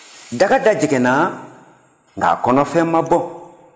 daga da jɛngɛnna nk'a kɔnɔfɛn ma bɔn